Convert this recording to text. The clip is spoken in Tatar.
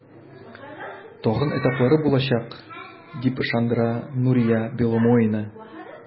Тагын этаплары булачак, дип ышандыра Нурия Беломоина.